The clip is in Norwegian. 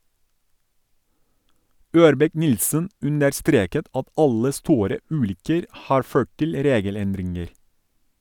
Ørbeck-Nilssen understreket at alle store ulykker har ført til regelendringer.